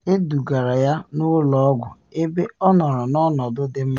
Edugara ya n’ụlọ ọgwụ ebe ọ nọrọ n’ọnọdụ “dị mma”.